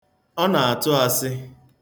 Ọ na-atụ asị.